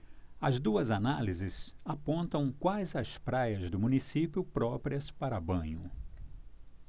as duas análises apontam quais as praias do município próprias para banho